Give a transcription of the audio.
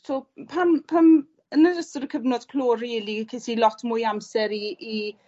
So pan pan yn yr ystod y cyfnod clo rili ces i lot mwy o amser i i